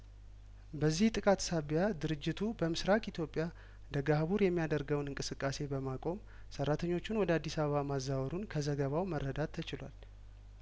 በዚህ ጥቃት ሳቢያ ድርጅቱ በምስራቅ ኢትዮጵያ ደገሀቡር የሚያደርገውን እንቅስቃሴ በማቆም ሰራተኞቹን ወደ አዲስ አበባ ማዛወሩን ከዘገባው መረዳት ተችሏል